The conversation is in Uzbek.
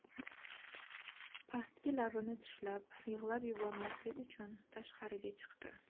pastki labini tishlab yig'lab yubormaslik uchun tashqariga chiqdi